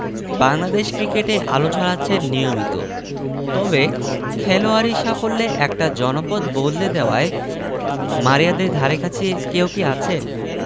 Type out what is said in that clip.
বাংলাদেশ ক্রিকেটে আলো ছড়াচ্ছেন নিয়মিত তবে খেলোয়াড়ি সাফল্যে একটা জনপদ বদলে দেওয়ায় মারিয়াদের ধারেকাছে কেউ কি আছেন